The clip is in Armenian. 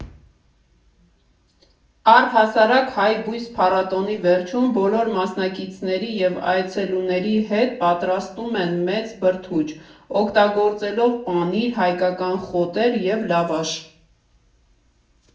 Առհասարակ Հայբույս փառատոնի վերջում բոլոր մասնակիցների և այցելուների հետ պատրաստում են մեծ բրդուճ՝ օգտագործելով պանիր, հայկական խոտեր և լավաշ։